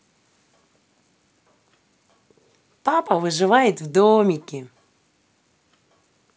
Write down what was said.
папа выживает в домике